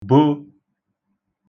bo